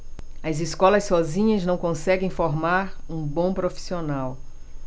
as escolas sozinhas não conseguem formar um bom profissional